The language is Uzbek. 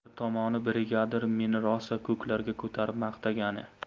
bir tomoni brigadir meni rosa ko'klarga ko'tarib maqtagani